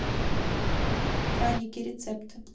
драники рецепты